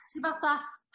...ti fatha